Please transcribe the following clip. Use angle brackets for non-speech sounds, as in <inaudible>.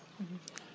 <hesitation> <hesitation>